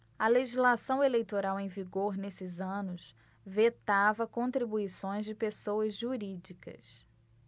a legislação eleitoral em vigor nesses anos vetava contribuições de pessoas jurídicas